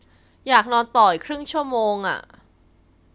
อยากนอนต่ออีกครึ่งชั่วโมงอะ